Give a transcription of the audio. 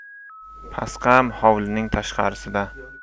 pasqam hovlining tashqarisida